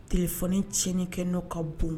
T tiɲɛni kɛ n'o ka bon